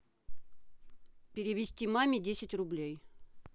перевести маме десять рублей